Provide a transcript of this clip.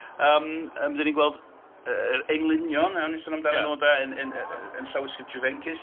Yym yym dan ni'n gweld yr englynion o'n ni'n sôn amdanyn nhw 'de, yn... yn... yn llawysgrif Juvencus